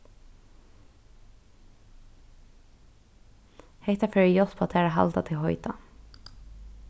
hetta fer at hjálpa tær at halda teg heita